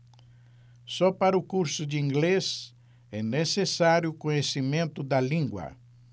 só para o curso de inglês é necessário conhecimento da língua